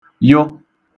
yụ